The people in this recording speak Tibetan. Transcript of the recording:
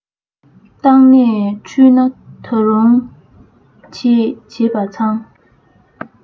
བརྟགས ནས འཁྲུལ ན ད རུང བྱེད བྱེད པ མཚང